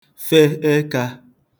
fe ẹkā